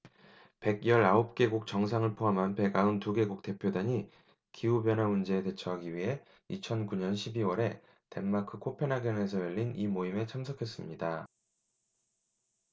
백 열 아홉 개국 정상을 포함한 백 아흔 두 개국 대표단이 기후 변화 문제에 대처하기 위해 이천 구 년 십 이 월에 덴마크 코펜하겐에서 열린 이 모임에 참석했습니다